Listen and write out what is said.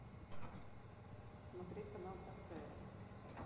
смотреть канал стс